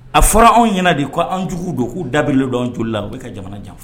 A fɔra anw ɲɛna de ko anwjugu don k'u dabile dɔn an joli la u bɛ ka jamana janfa